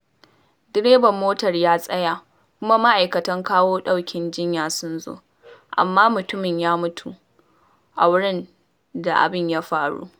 Direban motar ya tsaya kuma ma’aikatan kawo ɗaukin jinya sun zo, amma mutumin ya mutu a wurin da abin ya faru.